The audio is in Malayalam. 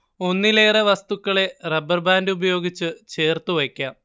ഒന്നിലെറെ വസ്തുക്കളെ റബർ ബാൻഡ് ഉപയോഗിച്ച് ചേർത്തു വയ്ക്കാം